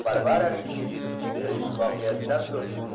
varvaraning institutga kirish voqeasidan so'ng